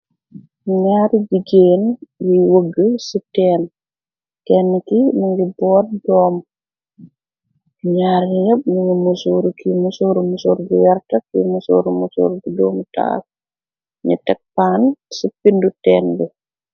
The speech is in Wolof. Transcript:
N'aari jigéen yiy wëgg ci een kenn ki nangi boot doom ñaaryeb ñumu mësooru ki musooru musoor bi wertak yi musooru mësoor bi doomu taaf ñi tek paan ci pindu teen bi.